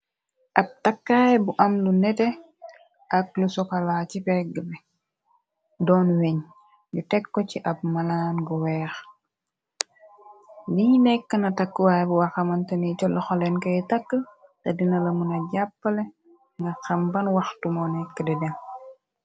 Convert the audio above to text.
Ab takkaay bu am lu nete, ak lu sokalaa ci pegg bi, doom wegñ, nyu teg ko ci ab malaan bu weex, lii nekk na takkuwaay bu waxamanteni ci loxo leen koy takk te dina la mana jàppale nga xam ban waxtu moo nekk de dem.